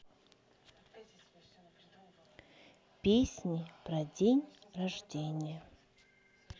песни про день рождения